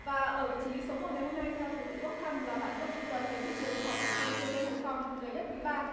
và ở vị trí số một ngày hôm nay theo thứ tự bốc thăm là bạn lâm vũ tuấn đến từ trường trung học phổ thông chuyên lê hồng phong người nhất quý ba